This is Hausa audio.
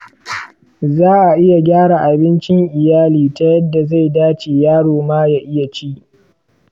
za a iya gyara abincin iyali ta yadda zai dace yaro ma ya iya ci.